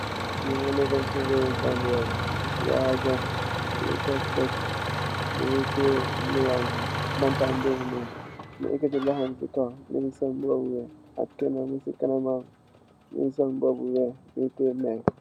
Kii moo neekon suñg reewu Gambiya, Yayaa Jaamé, mu ngi sol espeks, mu ngi tiyee bantam boob, mu ekat loxom si kow, mu ngi sol mbuba bu weex, ak keenë muñg si kanamam, mu ngi sol mbuba bu weex.